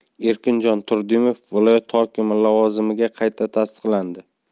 erkinjon turdimov viloyati hokimi lavozimiga qayta tasdiqlandi